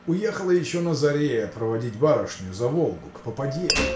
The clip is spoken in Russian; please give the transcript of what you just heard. — Уехала еще на заре проводить барышню за Волгу, к попадье.